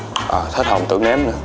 ờ ủa hết hồn tưởng nếm nữa